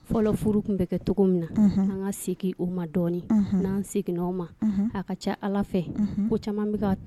Fɔlɔ furu tun be kɛ togomin na unhun an ŋa segin o ma dɔɔnin unhun n'an seginna o ma unhun a ka ca Ala fɛ unhun ko caman be ka